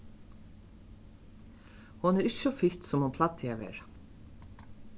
hon er ikki so fitt sum hon plagdi at vera